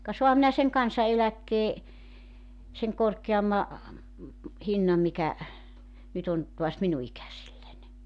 ka saanhan minä sen kansaneläkkeen sen korkeamman hinnan mikä nyt on taas minun ikäisilläni